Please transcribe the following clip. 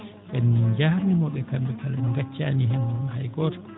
en njaarniima ɓe kamɓe kala en ngaccaani hay gooto